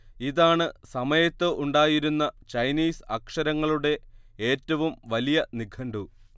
ഇതാണ് സമയത്ത് ഉണ്ടായിരുന്ന ചൈനീസ് അക്ഷരങ്ങളുടെഏറ്റവും വലിയ നിഘണ്ടു